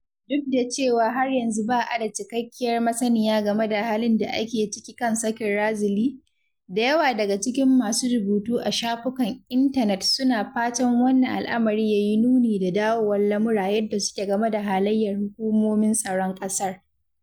Duk da cewa har yanzu ba a da cikakkiyar masaniya game da halin da ake ciki kan sakin Razily, da yawa daga cikin masu rubutu a shafukan intanet suna fatan wannan al’amari yayi nuni da dawowar lamura yanda suke game da halayyar hukumomin tsaron ƙasar.